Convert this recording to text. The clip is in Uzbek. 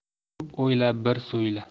ko'p o'yla bir so'yla